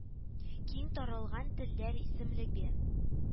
Киң таралган телләр исемлеге